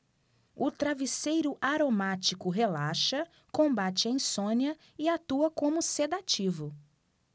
o travesseiro aromático relaxa combate a insônia e atua como sedativo